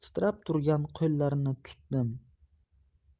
titrab turgan qo'llarini tutdim